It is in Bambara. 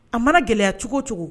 A mana gɛlɛya cogo cogo